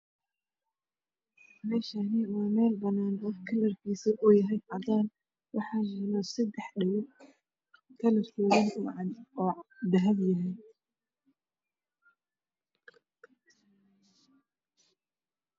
Meeshaan waa meel banaan ah kalarkiisu waa cadaan waxaa yaalo seddex dhagood oo dahabi ah.